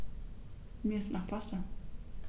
Mir ist nach Pasta.